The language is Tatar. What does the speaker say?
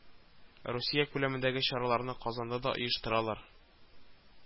Русия күләмендәге чараларны Казанда да оештыралар